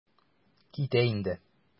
Китә инде.